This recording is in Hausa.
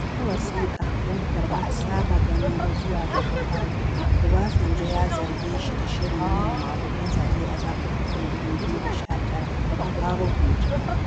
A wata wasiƙa wadda ba a saba gani ba zuwa ga Buhari, Obasanjo ya zarge shi da shirin yin maguɗin zaɓe a zaɓuɓɓukan 2019. Ya rubuta: